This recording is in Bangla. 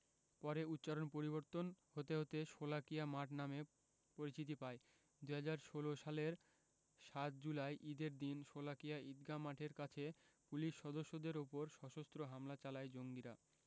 পরে উচ্চারণ পরিবর্তন হতে হতে শোলাকিয়া মাঠ নামে পরিচিতি পায় ২০১৬ সালের ৭ জুলাই ঈদের দিন শোলাকিয়া ঈদগাহ মাঠের কাছে পুলিশ সদস্যদের ওপর সশস্ত্র হামলা চালায় জঙ্গিরা